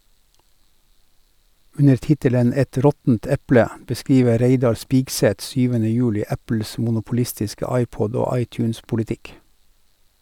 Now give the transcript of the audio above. Under tittelen "Et råttent eple" beskriver Reidar Spigseth 7. juli Apples monopolistiske iPod- og iTunes-politikk.